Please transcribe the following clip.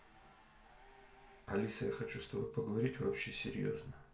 алиса я хочу с тобой поговорить вообще серьезно